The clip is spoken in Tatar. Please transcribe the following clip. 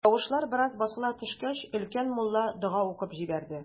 Тавышлар бераз басыла төшкәч, өлкән мулла дога укып җибәрде.